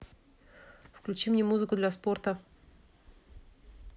включи мне музыку для спорта